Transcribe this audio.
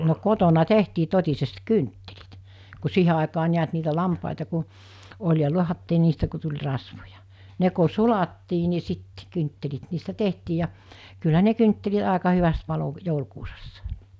no kotona tehtiin totisesti kynttilät kun siihen aikaan näet niitä lampaita kun oli ja lahdattiin niistä kun tuli rasvoja ne kun sulattiin niin sitten kynttilät niistä tehtiin ja kyllä ne kynttilät aika hyvästi paloi joulukuusessa